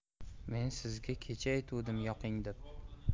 men sizga kecha aytuvdim yoqing deb